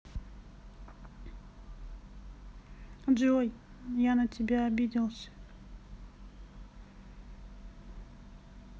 джой я на тебя обиделся